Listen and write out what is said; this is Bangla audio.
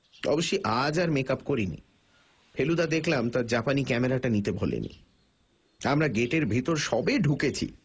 অবিশ্যি আজ আর মেক আপ করিনি ফেলুদা দেখলাম তার জাপানি ক্যামেরাটা নিতে ভোলেনি আমরা গেটের ভিতর সবে ঢুকেছি